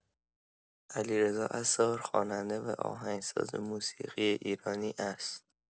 علیرضا عصار خواننده و آهنگساز موسیقی ایرانی است.